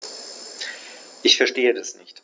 Ich verstehe das nicht.